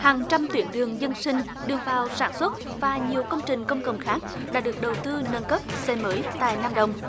hàng trăm tuyến đường dân sinh đường vào sản xuất và nhiều công trình công cộng khác đã được đầu tư nâng cấp xây mới tại nam đồng